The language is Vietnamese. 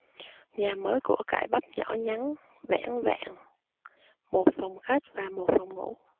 nhà mới của cải bắp nhỏ nhắn vẻn vẹn một phòng khách và một phòng ngủ